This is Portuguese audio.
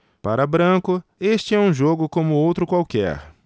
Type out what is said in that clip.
para branco este é um jogo como outro qualquer